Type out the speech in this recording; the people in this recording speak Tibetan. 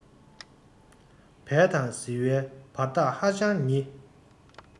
བད དང ཟིལ བའི བར ཐག ཧ ཅང ཉེ